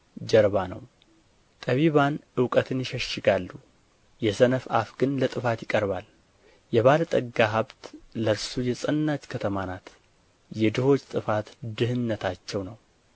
ጀርባ ነው ጠቢባን እውቀትን ይሸሽጋሉ የሰነፍ አፍ ግን ለጥፋት ይቀርባል የባለጠጋ ሀብት ለእርሱ የጸናች ከተማ ናት የድሆች ጥፋት ድህነታቸው ነው